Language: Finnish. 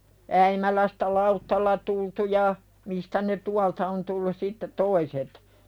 Äimälästä lautalla tultu ja mistä ne tuolta on tullut sitten toiset